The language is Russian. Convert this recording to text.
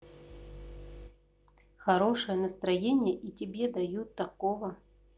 хорошее настроение и тебе дают такого